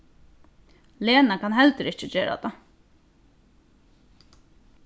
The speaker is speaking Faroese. lena kann heldur ikki gera tað